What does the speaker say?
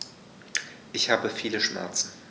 Ich habe viele Schmerzen.